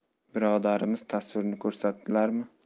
birodarimiz tasvirni ko'rsatdilarmi